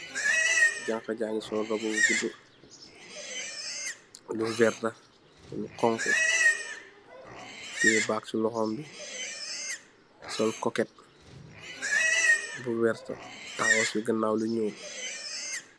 Janx ja ngi sol robbu bu gudda, lu verta, lu xonxu, tiye bag si loxom bi, sol koket bu werta, taxaw si ganaaw lu nyuul.